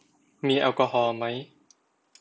มีแอลกอฮอล์ไหม